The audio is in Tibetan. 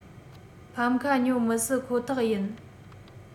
ཕན ཁ ཉོ མི སྲིད ཁོ ཐག ཡིན